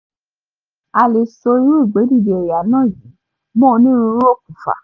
A lè so irú ìgbédìde ẹ̀yà náà yìí mọ́ onírúurú okùnfà.